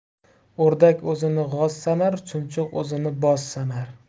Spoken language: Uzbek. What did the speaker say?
o'rdak o'zini g'oz sanar chumchuq o'zini boz sanar